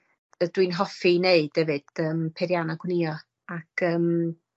yy dwi'n hoffi neud efyd yym peirianna gwnïo, ac ym